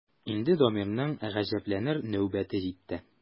Инде Дамирның гаҗәпләнер нәүбәте җитте.